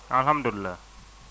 alhamdulilah